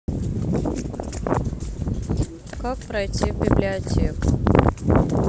как пройти в библиотеку